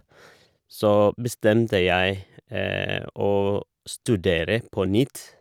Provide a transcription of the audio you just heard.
Så bestemte jeg å studere på nytt.